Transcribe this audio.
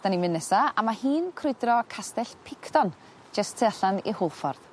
...'dan ni'n myn' nesa a ma' hi'n crwydro castell picton jyst tu allan i Hwlffordd.